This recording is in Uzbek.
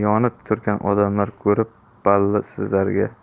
yonib turgan odamlarni ko'rib balli sizlarga